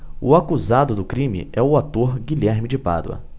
o acusado do crime é o ator guilherme de pádua